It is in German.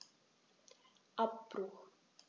Abbruch.